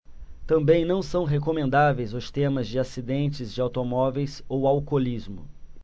também não são recomendáveis os temas de acidentes de automóveis ou alcoolismo